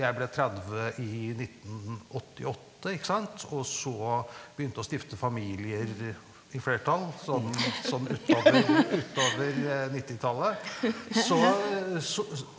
jeg ble 30 i 1988 ikke sant og så begynte å stifte familier i flertall sånn sånn utover utover nittitallet så så.